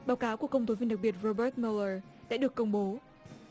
báo cáo của công tố viên đặc biệt vơ bớt miu lờ đã được công bố